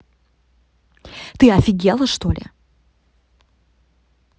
ты офигела чтоли